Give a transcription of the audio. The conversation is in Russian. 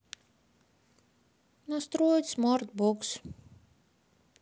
настроить смарт бокс